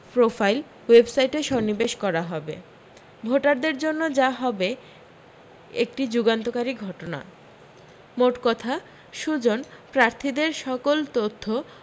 profile ওয়েবসাইটে সন্নিবেশ করা হবে ভোটারদের জন্য যা হবে একটি যুগান্তকারী ঘটনা মোটকথা সুজন প্রার্থীদের সকল তথ্য